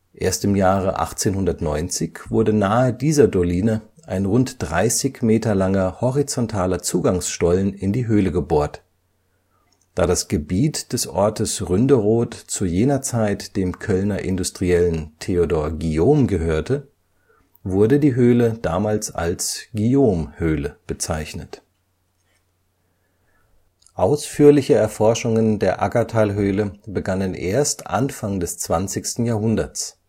Erst im Jahre 1890 wurde nahe dieser Doline ein rund 30 Meter langer, horizontaler Zugangsstollen in die Höhle gebohrt. Da das Gebiet des Ortes Ründeroth zu jener Zeit dem Kölner Industriellen Theodor Guilleaume gehörte, wurde die Höhle damals als Guilleaume-Höhle bezeichnet. Ausführliche Erforschungen der Aggertalhöhle begannen erst Anfang des 20. Jahrhunderts